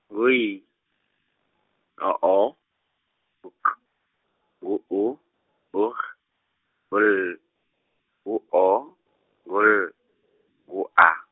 ngu Y, no O, ngu K, ngu U, ngu G, ngu L, ngu O, ngu L, ngu A.